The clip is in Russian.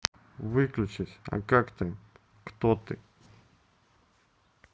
выключись а как ты кто ты